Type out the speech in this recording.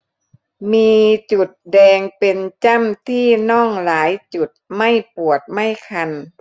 มีจุดแดงเป็นจ้ำที่น่องหลายจุดไม่ปวดไม่คัน